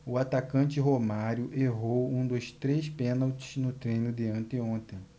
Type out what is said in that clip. o atacante romário errou um dos três pênaltis no treino de anteontem